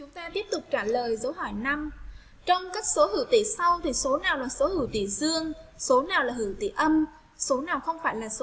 chúng ta tiếp tục trả lời câu hỏi trong các số hữu tỉ sau số nào là số hữu tỉ dương số nào là hữu tỉ âm số nào không phải là